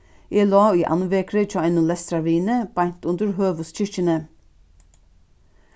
eg lá í andvekri hjá einum lestrarvini beint undir høvuðskirkjuni